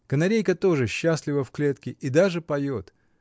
— Канарейка тоже счастлива в клетке, и даже поет